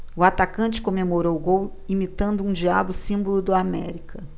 o atacante comemorou o gol imitando um diabo símbolo do américa